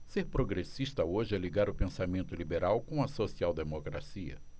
ser progressista hoje é ligar o pensamento liberal com a social democracia